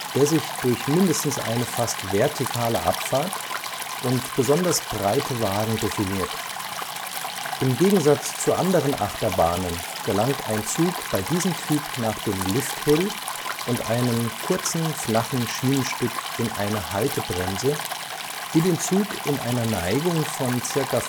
der sich durch mindestens eine fast vertikale Abfahrt und besonders breite Wagen definiert. Im Gegensatz zu anderen Achterbahnen gelangt ein Zug bei diesem Typ nach dem Lifthill und einem kurzen flachen Schienenstück in eine Haltebremse, die den Zug in einer Neigung von circa